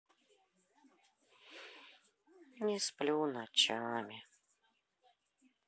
не сплю ночами